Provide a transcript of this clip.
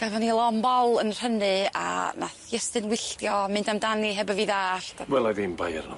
Gaethon ni lon bol yn rhynnu a nath Iestyn wylltio mynd amdani heb i fi ddallt a. Wel ai ddim bai arno fo.